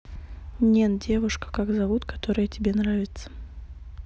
нет девушка как зовут которая тебе нравится